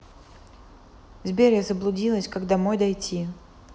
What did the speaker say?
сбер я заблудилась как домой дойти